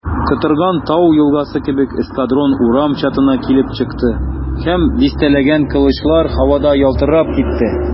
Котырган тау елгасы кебек эскадрон урам чатына килеп чыкты, һәм дистәләгән кылычлар һавада ялтырап китте.